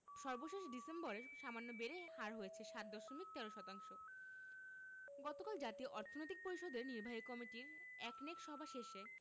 সর্বশেষ ডিসেম্বরে সামান্য বেড়ে হার হয়েছে ৭ দশমিক ১৩ শতাংশ গতকাল জাতীয় অর্থনৈতিক পরিষদের নির্বাহী কমিটির একনেক সভা শেষে